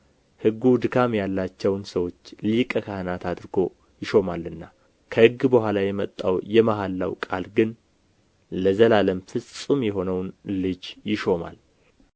ሕጉ ድካም ያላቸውን ሰዎች ሊቀ ካህናት አድርጎ ይሾማልና ከሕግ በኋላ የመጣ የመሐላው ቃል ግን ለዘላለም ፍጹም የሆነውን ልጅ ይሾማል